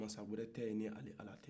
masa wɛrɛ tɛye ni ale ala tɛ